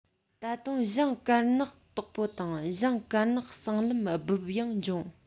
ད དུང གཞང དཀར ནག དོག པོ དང གཞང དཀར ནག གསང ལམ སྦུབས ཡང འབྱུང